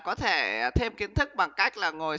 có thể thêm kiến thức bằng cách là ngồi